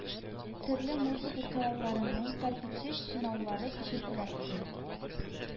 Төрле музыка коралларының тәртипсез чинаулары ишетелә иде